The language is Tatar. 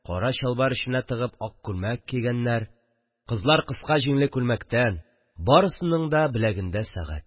Кара чалбар эченә тыгып ак күлмәк кигәннәр, кызлар кыска җиңле күлмәктән, барысының да беләгендә сәгать